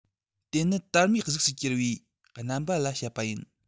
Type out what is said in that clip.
དེ ནི དར མའི གཟུགས སུ གྱུར པའི རྣམ པ ལ བཤད པ ཡིན